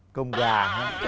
cơm gà hả